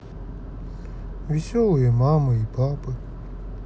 веселые мамы и папы